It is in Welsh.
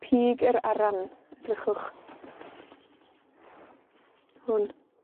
Pig yr Aran. Edrychwch. Hwn.